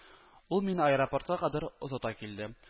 Ул мине аэропортка кадәр озата килде